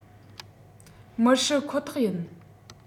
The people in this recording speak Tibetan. མི སྲིད ཁོ ཐག ཡིན